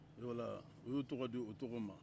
eh voila o y'o tɔgɔ di tɔgɔ ma